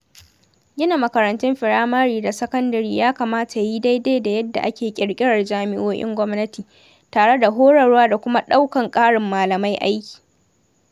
Gina makarantun firamare da sakandare ya kamata ya yi daidai da yadda ake ƙirƙirar jami’o’in gwamnati, tare da horarwa da kuma ɗaukan ƙarin malamai aiki.